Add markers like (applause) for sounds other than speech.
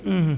(hesitation) (hesitation)